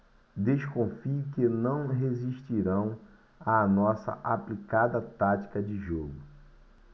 desconfio que não resistirão à nossa aplicada tática de jogo